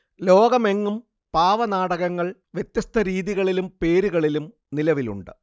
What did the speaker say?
ലോകമെങ്ങും പാവനാടകങ്ങൾ വ്യത്യസ്ത രീതികളിലും പേരുകളിലും നിലവിലുണ്ട്